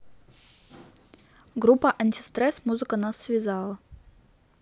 группа антистресс музыка нас связала